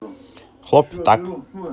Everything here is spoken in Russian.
хлоп и так